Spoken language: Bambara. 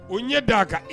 O ɲɛ d aa kan